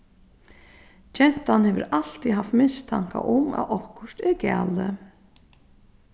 gentan hevur altíð havt mistanka um at okkurt er galið